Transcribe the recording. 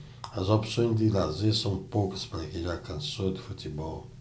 as opções de lazer são poucas para quem já cansou de futebol